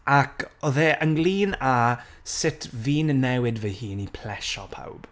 Ac, odd e ynglŷn â sut fi'n newid fy hun, i plesio pawb.